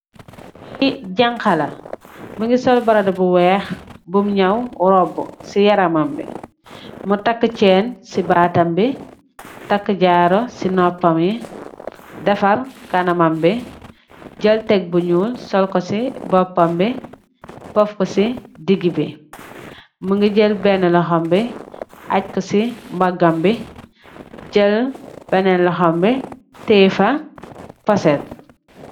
Ki jang khala mungi sul buredeh bu wekh bum nyaw robu si yaramam bi mu takuh chain si batam bi takuh jaroh si nopam bi dafar kanamam bi jel tek bu nyul sul ku si bopam bi puff ku si diguh mungi jel bena luxhom bi ach ku si mbagam bi jel benen luxhom bi teyeh fa puset